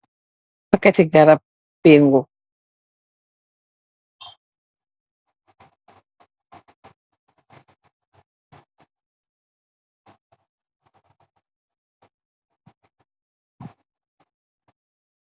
Packet ti garab pengu.